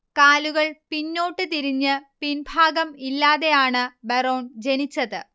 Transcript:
കാലുകൾ പിന്നോട്ട് തിരിഞ്ഞ് പിൻഭാഗം ഇല്ലാതെയാണ്ബറോൺ ജനിച്ചത്